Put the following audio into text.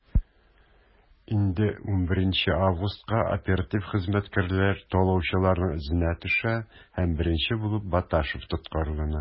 Инде 11 августка оператив хезмәткәрләр талаучыларның эзенә төшә һәм беренче булып Баташев тоткарлана.